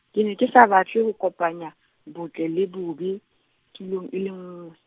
ke ne ke sa batle ho kopanya, botle le bobe, tulong e le nngwe.